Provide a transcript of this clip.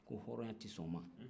ko hɔrɔnya tɛ sɔn o ma